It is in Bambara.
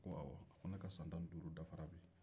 ko awa ko ne ka san tan ni duuru dafara